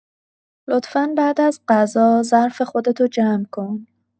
لطفا بعد از غذا ظرف خودتو جمع‌کن